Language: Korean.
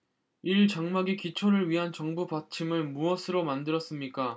일 장막의 기초를 위한 장부 받침은 무엇으로 만들었습니까